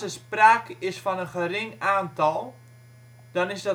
sprake is van een gering aantal, dan is